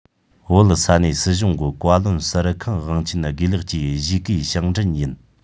བོད ས གནས སྲིད གཞུང གི བཀའ བློན ཟུར ཁང དབང ཆེན དགེ ལེགས ཀྱི གཞིས ཀའི ཞིང བྲན ཡིན